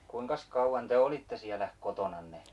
kuinkas kauan te olitte siellä kotonanne